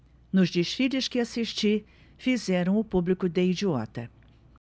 nos desfiles que assisti fizeram o público de idiota